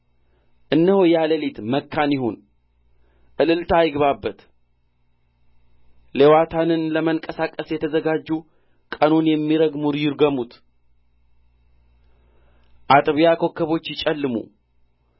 እነሆ ያ ሌሊት መካን ይሁን እልልታ አይግባበት ሌዋታንን ለማንቀሳቀስ የተዘጋጁ ቀኑን የሚረግሙ ይርገሙት አጥቢያ ኮከቦች ይጨልሙ